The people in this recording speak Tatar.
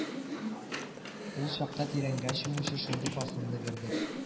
Ул чакта тирәнгә чумучы шундый басымны бирдек